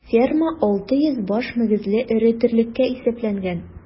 Ферма 600 баш мөгезле эре терлеккә исәпләнгән.